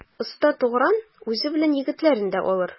Оста Тугран үзе белән егетләрен дә алыр.